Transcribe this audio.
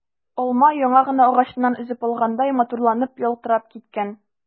Алма яңа гына агачыннан өзеп алгандай матурланып, ялтырап киткән.